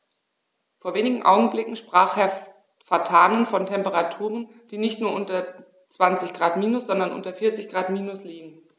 Vor wenigen Augenblicken sprach Herr Vatanen von Temperaturen, die nicht nur unter 20 Grad minus, sondern unter 40 Grad minus liegen.